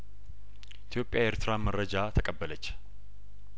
ኢትዮጵያ የኤርትራን መረጃ ተቀበለች